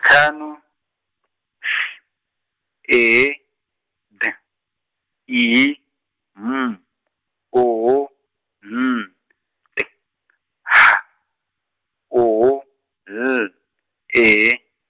tlhano, S, E, D, I, M, O, N, T, H, O, L, E.